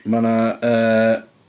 Mae 'na, yy...